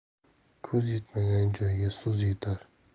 ko'z yetmagan joyga so'z yetar